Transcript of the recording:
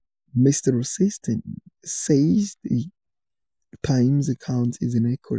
Mr. Rosenstein says The Times's account is inaccurate.